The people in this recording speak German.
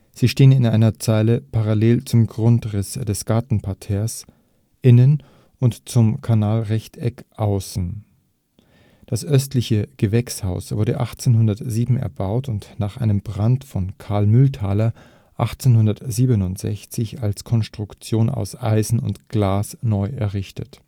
Sie stehen in einer Zeile, parallel zum Grundriss des Gartenparterres innen und zum Kanal-Rechteck außen. Das östliche Gewächshaus wurde 1807 erbaut und nach einem Brand von Carl Mühlthaler 1867 als Konstruktion aus Eisen und Glas neu errichtet